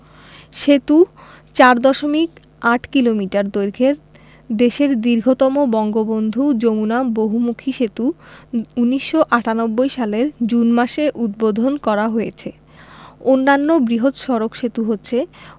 সেতু ৪দশমিক ৮ কিলোমিটার দৈর্ঘ্যের দেশের দীর্ঘতম বঙ্গবন্ধু যমুনা বহুমুখী সেতু ১৯৯৮ সালের জুন মাসে উদ্বোধন করা হয়েছে অন্যান্য বৃহৎ সড়ক সেতু হচ্ছে